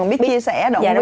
còn biết chia sẻ động viên